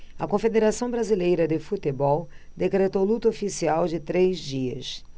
a confederação brasileira de futebol decretou luto oficial de três dias